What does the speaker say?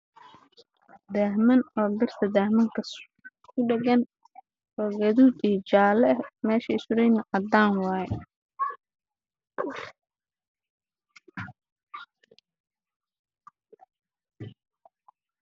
Birta daaha ku dhegan meesha ay suran yihiin cadaan waayo